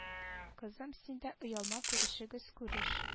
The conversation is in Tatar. Кызым син дә оялма күрешегез күреш